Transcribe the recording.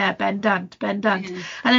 Ie bendant, bendant.